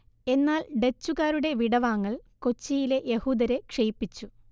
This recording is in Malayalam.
എന്നാൽ ഡച്ചുകാരുടെ വിടവാങ്ങൽ കൊച്ചിയിലെ യഹൂദരെ ക്ഷയിപ്പിച്ചു